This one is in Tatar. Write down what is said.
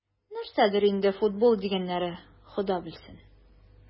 Нәрсәдер инде "футбол" дигәннәре, Хода белсен...